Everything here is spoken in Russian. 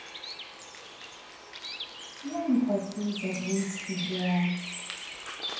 я не хочу забыть тебя